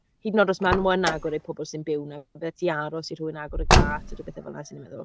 Hyd yn oed os maen nhw yn agor i'r pobl sy'n byw yna, byddet ti'n aros i rhywun agor y giat a rhyw bethe fel 'na 'swn i'n meddwl.